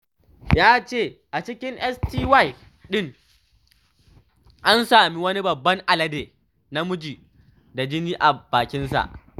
Ya ce a cikin sty ɗin an sami wani babban alade namiji da jini a bakinsa.